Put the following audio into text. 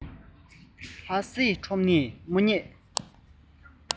ལྷ སའི ཁྲོམ ནས མི རྙེད